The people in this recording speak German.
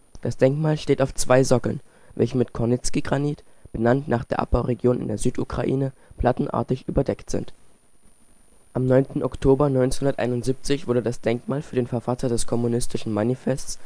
Das Denkmal steht auf zwei Sockeln, welche mit Kornitzki-Granit, benannt nach der Abbauregion in der Südukraine, plattenartig überdeckt sind. Am 9. Oktober 1971 wurde das Denkmal für den Verfasser des Kommunistischen Manifests